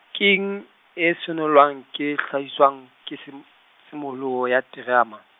ke eng, e senolwang e hlahiswang ke tshim-, tshimoloho ya terama.